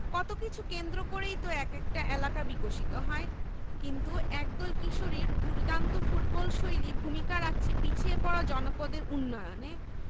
কত কিছু কেন্দ্র করেই তো এক একটা এলাকা বিকশিত হয় কিন্তু একদল কিশোরীর দুর্দান্ত ফুটবলশৈলী ভূমিকা রাখছে পিছিয়ে পড়া জনপদের উন্নয়নে